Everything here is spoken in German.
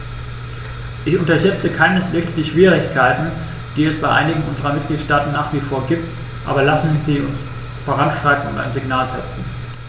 Ich unterschätze keineswegs die Schwierigkeiten, die es bei einigen unserer Mitgliedstaaten nach wie vor gibt, aber lassen Sie uns voranschreiten und ein Signal setzen.